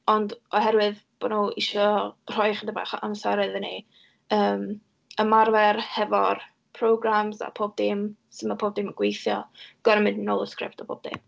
Ond oherwydd bod nhw isio rhoi ychydig bach o amser iddyn ni, yym, ymarfer hefo'r programmes a pob dim, sut ma' pob dim yn gweithio, gorod mynd yn ôl y sgript a pob dim.